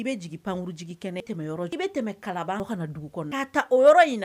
I bɛ jigin pankurun jigin kɛnɛ kan i bɛ tɛmɛ kalaban ka na dugu kɔnɔ, k'a ta o yɔrɔ in